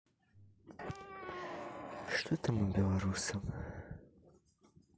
что там у белоруссов